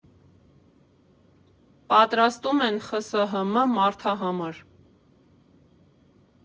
Պատրաստում են ԽՍՀՄ մարդահամար։